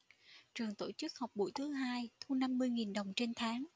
trường tổ chức học buổi thứ hai thu năm mươi nghìn đồng trên tháng